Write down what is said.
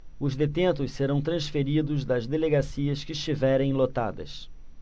os detentos serão transferidos das delegacias que estiverem lotadas